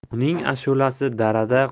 uning ashulasi darada